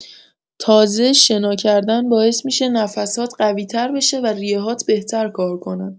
تازه، شنا کردن باعث می‌شه نفس‌هات قوی‌تر بشه و ریه‌هات بهتر کار کنن.